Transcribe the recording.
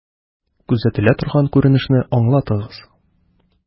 Күзәтелә торган күренешне аңлатыгыз.